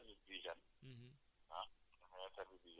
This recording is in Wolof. même soo soo leen ñëwee service d' hygène